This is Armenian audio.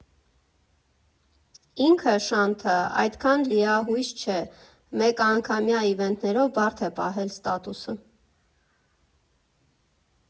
Ինքը՝ Շանթը, այդքան լիահույս չէ, մեկանգամյա իվենթներով բարդ է պահել ստատուսը.